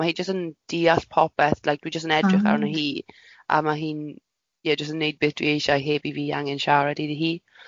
Ma' hi jyst yn diall popeth, like dwi jyst yn edrych arno hi, a ma' hi'n ie jyst yn wneud beth dwi eisiau heb i fi angen siarad iddi hi.